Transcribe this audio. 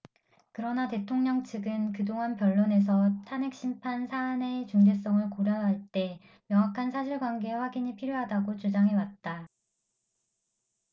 그러나 대통령 측은 그동안 변론에서 탄핵심판 사안의 중대성을 고려할 때 명확한 사실관계 확인이 필요하다고 주장해왔다